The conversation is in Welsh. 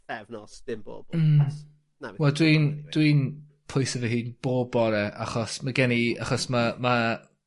pythefnos dim bob... Hmm. ... wthnos. Wel dwi'n dwi'n pwyso fy hun bob bore achos ma' gen i achos ma' ma'